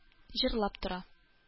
Җырлап тора